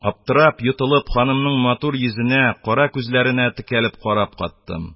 Аптырап, йотылып, ханымның матур йөзенә, кара күзләренә текәлеп карап каттым.